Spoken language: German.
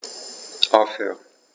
Aufhören.